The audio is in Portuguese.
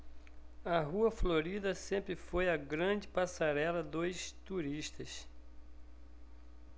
a rua florida sempre foi a grande passarela dos turistas